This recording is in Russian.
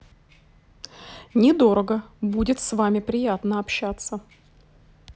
не дорого будет с вами приятно общаться